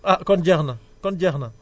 ah kon jeex na kon jeex na